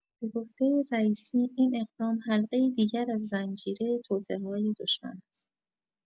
به گفته رییسی، این اقدام حلقه‌ای دیگر از زنجیره توطئه‌های دشمن است.